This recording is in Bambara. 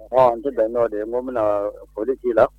H an tɛ bɛn nɔ de ye mɔgɔ bɛna na foli k'i la